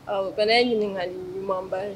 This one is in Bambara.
Ɔ kana ye ɲininkaka mamaba ye